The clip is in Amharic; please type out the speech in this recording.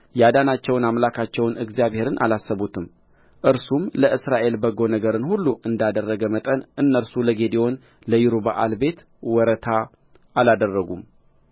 ያዳናቸውን አምላካቸውን እግዚአብሔርን አላሰቡትም እርሱም ለእስራኤል በጎ ነገርን ሁሉ እንዳደረገ መጠን እነርሱ ለጌዴዎን ለይሩበኣል ቤት ወረታ አላደረጉም